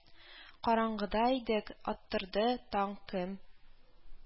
Караңгыда идек, аттырды Таң кем